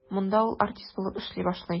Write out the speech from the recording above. Монда ул артист булып эшли башлый.